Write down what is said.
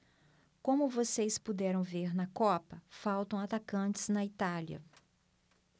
como vocês puderam ver na copa faltam atacantes na itália